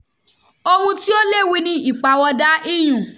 Ohun tí ó léwu ni ìpàwọ̀dàa iyùn.